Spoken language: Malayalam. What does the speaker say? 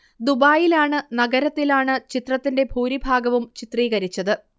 ദുബായിലാണ് നഗരത്തിലാണ് ചിത്രത്തിന്റെ ഭൂരിഭാഗവും ചിത്രീകരിച്ചത്